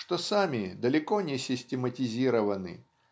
что сами далеко не систематизированы